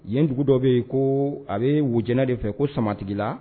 Yen dugu dɔ bɛ yen ko a bɛ Wojɛna de fɛ ko Samatigila!